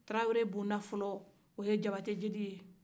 tarawele bondafɔlɔ o ye jabatɛjeli ye